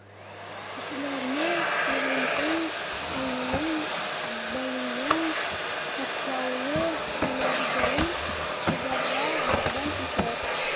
Кешеләрне тирәнтен аңлый белүең катлаулы хәлләрдән чыгарга ярдәм итәр.